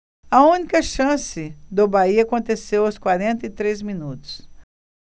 a única chance do bahia aconteceu aos quarenta e três minutos